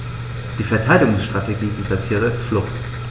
Die Verteidigungsstrategie dieser Tiere ist Flucht.